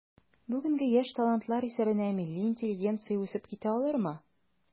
Бүгенге яшь талантлар исәбенә милли интеллигенция үсеп китә алырмы?